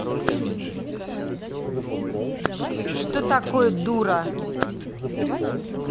что такое дура